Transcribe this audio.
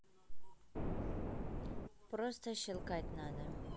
просто щелкать надо